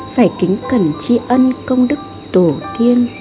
phải kính cẩn tri ân công đức tổ tiên